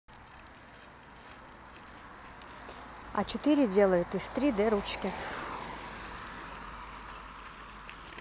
а четыре делает из три д ручки